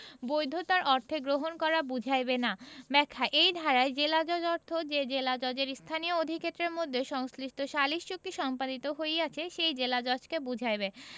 বৈধতার অর্থে গ্রহণ করা বুঝাইবে না ব্যাখ্যা এই ধারায় জেলাজজ অর্থ যে জেলাজজের স্থানীয় অধিক্ষেত্রের মধ্যে সংশ্লিষ্ট সালিস চুক্তি সম্পাদিত হইয়াছে সেই জেলাজজকে বুঝাইবে